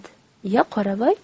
iya qoravoy